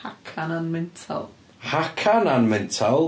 Haka 'na'n mental? Hakana'n mental.